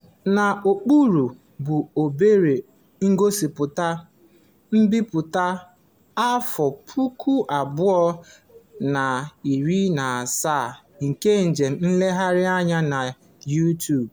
N'okpuru bụ obere ngosipụta mbipụta 2017 nke njem nlegharị anya na YouTube: